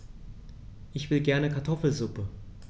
Ich will gerne Kartoffelsuppe.